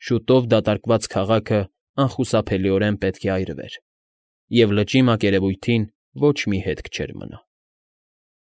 Շուտով դատարկված քաղաքն անխուսափելիորեն պետք է այրվեր, և լճի մակերևույթին ոչ մի հետք չէր մնա։